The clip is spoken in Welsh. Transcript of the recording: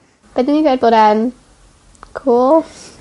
Byddwn i'n dweud bod e yn cŵl